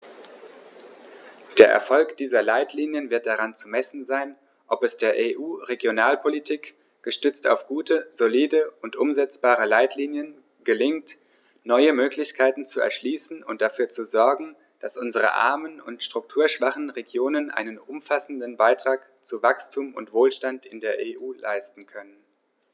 Der Erfolg dieser Leitlinien wird daran zu messen sein, ob es der EU-Regionalpolitik, gestützt auf gute, solide und umsetzbare Leitlinien, gelingt, neue Möglichkeiten zu erschließen und dafür zu sorgen, dass unsere armen und strukturschwachen Regionen einen umfassenden Beitrag zu Wachstum und Wohlstand in der EU leisten können.